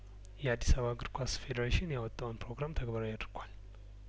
የአዲስአባ እግር ኳስ ፌዴሬሽን ያወጣውን ፕሮግራም ተግባራዊ አድርጓል